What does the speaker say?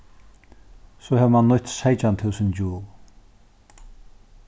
so hevur mann nýtt seytjan túsund joule